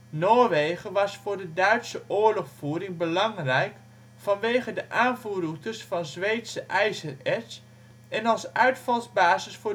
Noorwegen was voor de Duitse oorlogvoering belangrijk vanwege de aanvoerroutes van Zweedse ijzererts en als uitvalsbasis